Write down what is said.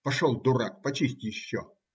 Пошел, дурак, почисть еще.